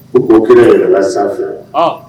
Ko o kira yɛlɛla sanfɛ.